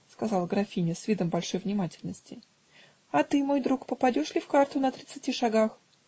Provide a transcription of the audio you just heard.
-- сказала графиня, с видом большой внимательности, -- а ты, мой друг, попадешь ли в карту на тридцати шагах?